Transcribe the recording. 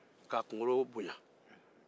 k'a kunkolo bonya